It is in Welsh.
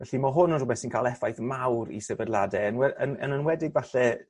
Felly ma' hwn yn rwbeth sy'n ca'l effaith mawr i sefydlade yn we-yn yn enwedig falle